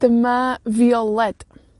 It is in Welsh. Dyma fioled.